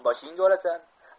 boshingga olasan